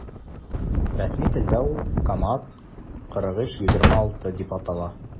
Рәсми телдә ул “КамАЗ- 4326” дип атала.